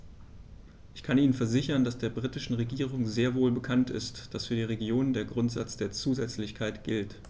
Ich kann Ihnen versichern, dass der britischen Regierung sehr wohl bekannt ist, dass für die Regionen der Grundsatz der Zusätzlichkeit gilt.